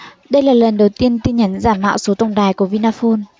đây là lần đầu tiên tin nhắn giả mạo số tổng đài của vinaphone